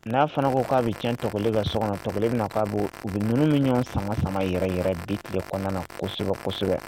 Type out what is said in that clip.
N'a fana ko k'a bɛ cɛn tɔ ka so kɔnɔtɔ bɛna na k'a bon u bɛ ninnu min ɲɔgɔn san sama yɛrɛ yɛrɛ bi tile kɔnɔna na kosɛbɛ kosɛbɛ